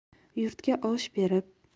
yurtga osh berib